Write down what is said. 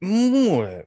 Mm!